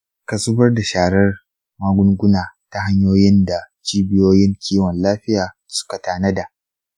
ka zubar da sharar magunguna ta hanyoyin da cibiyoyin kiwon lafiya suka tanada.